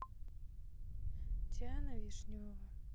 диана вишнева